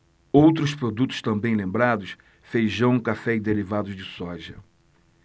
outros produtos também lembrados feijão café e derivados de soja